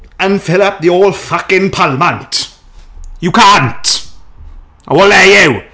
and fill up the whole fucking palmant. You can't! I won't let you!